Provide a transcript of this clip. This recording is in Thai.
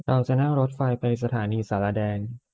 เราจะนั่งรถไฟไปสถานีศาลาแดง